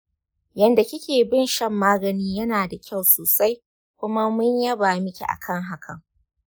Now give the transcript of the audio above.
yanda kike bin shan magani yana da kyau sosai kuma mun yaba miki akan hakan.